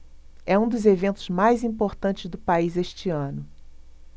é um dos eventos mais importantes do país este ano